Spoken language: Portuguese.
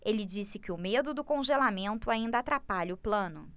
ele disse que o medo do congelamento ainda atrapalha o plano